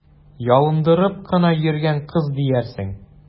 Ялындырып кына йөргән кыз диярсең!